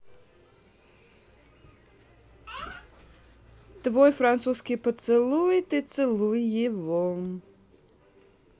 твой французский поцелуй ты целуй его